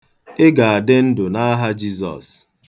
Ị ga-adị ndụ n'aha Jizọs.